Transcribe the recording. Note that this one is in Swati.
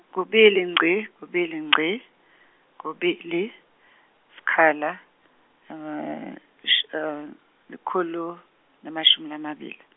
kubili ngci kubili ngci, kubili sikhala s- likhulu nemashumi lamabili.